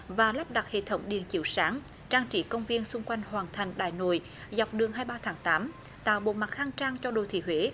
và lắp đặt hệ thống điện chiếu sáng trang trí công viên xung quanh hoàng thành đại nội dọc đường hai ba tháng tám tạo bộ mặt khang trang cho đô thị huế